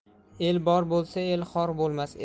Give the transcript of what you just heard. el bor bo'lsa er xor bo'lmas